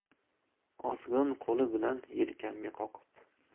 ozg'in qo'li bilan yelkamga qoqib